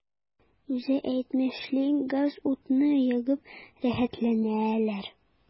Үзе әйтмешли, газ-утны ягып “рәхәтләнәләр”.